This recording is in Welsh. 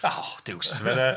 O duwcs